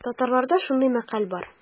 Татарларда шундый мәкаль бар.